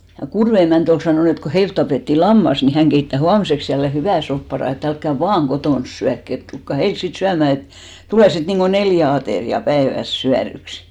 ja Kudven emäntä oli sanonut että kun heiltä tapettiin lammas niin hän keittää huomiseksi jälleen hyvän soppapadan että älkää vain kotona syökö että tulkaa heille sitten syömään että tulee sitten niin kuin neljä ateriaa päivässä syödyksi